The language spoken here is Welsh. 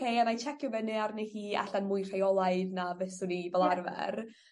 a 'nai checio fyny arni hi 'alla'n mwy rheolaidd na fyswn i fel arfer.